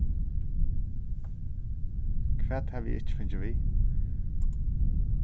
hvat havi eg ikki fingið við